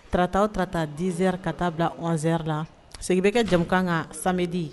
Ttaw tata dzeri ka taa bila ze la seg bɛ kɛ jamu kan ka sadi